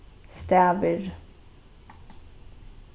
stavir